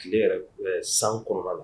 Tile san kɔnɔ la